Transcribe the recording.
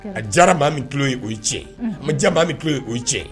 A jara maa bɛ to ye o cɛ maja maa bɛ to ye o cɛ